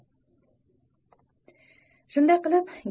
shunday qilib